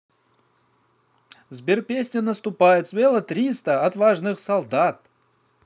сбер песня наступает смело триста отважных солдат